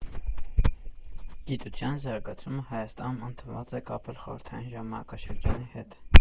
Գիտության զարգացումը Հայաստանում ընդունված է կապել խորհրդային ժամանակաշրջանի հետ։